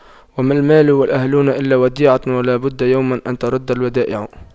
وما المال والأهلون إلا وديعة ولا بد يوما أن تُرَدَّ الودائع